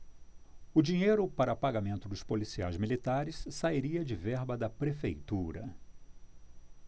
o dinheiro para pagamento dos policiais militares sairia de verba da prefeitura